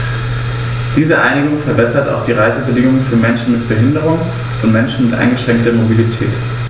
Diese Einigung verbessert auch die Reisebedingungen für Menschen mit Behinderung und Menschen mit eingeschränkter Mobilität.